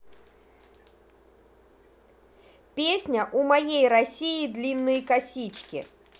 песня у моей россии длинные косички